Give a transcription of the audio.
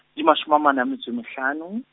di mashome a mane a metso e mehlano.